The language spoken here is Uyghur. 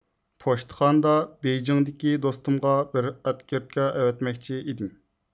پوچتىخانىدا بېيجىڭدىكى دوستۇمغا بىر ئاتكېرتكا ئەۋەتمەكچى ئىدىم